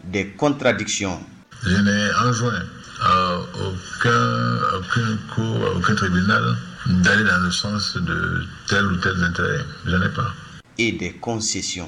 De kɔnta desiɔn anson ka ko na dalen sɔn tɛ tɛ n ne pa e de kɔnsesi